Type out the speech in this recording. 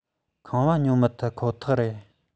ཁང བ ཉོ མི ཐུབ ཁོ ཐག རེད